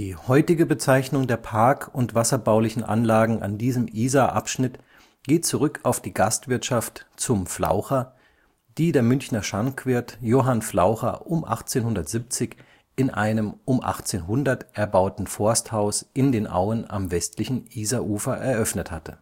heutige Bezeichnung der Park - und wasserbaulichen Anlagen an diesem Isarabschnitt geht zurück auf die Gastwirtschaft „ Zum Flaucher “, die der Münchner Schankwirt Johann Flaucher um 1870 in einem um 1800 erbauten Forsthaus in den Auen am westlichen Isarufer eröffnet hatte